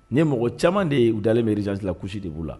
Nin mɔgɔ caman de ye dalen mirizalitilakulusi de b' la